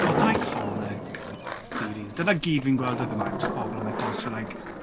What an iconic series. Dyna gyd fi'n gweld dyddiau 'ma yw jyst pobl yn like postio like...